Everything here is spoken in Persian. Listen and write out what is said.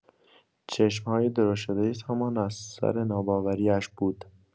چشم‌های درشت‌شدۀ سامان از سر ناباوری‌اش بود.